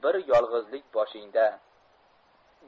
bir yolgizlik boshingda